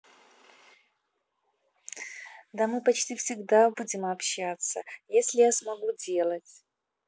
да мы почти всегда будем общаться если я смогу делать